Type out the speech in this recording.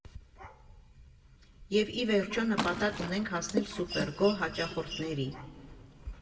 Եվ, ի վերջո, նպատակ ունենք հասնել «սուպեր գոհ» հաճախորդների։